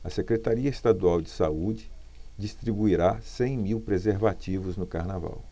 a secretaria estadual de saúde distribuirá cem mil preservativos no carnaval